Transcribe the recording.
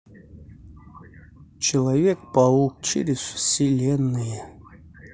человек паук через вселенные